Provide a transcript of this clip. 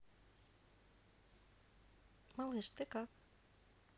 малыш так